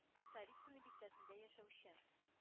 Царицыно бистәсендә яшәүче